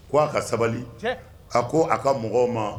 K ko' a ka sabali a ko a ka mɔgɔw ma